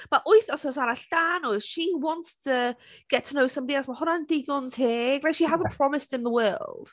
Ma' wyth wythnos arall 'da nhw. She wants to get to get to know somebody else, mae hwnna'n digon teg. Like, she hasn't promised him the world.